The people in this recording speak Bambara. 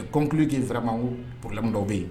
Kɔntu g siramamula dɔw bɛ yen